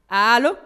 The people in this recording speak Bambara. Aa